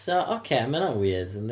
So, ocê, mae hynna'n weird yndi?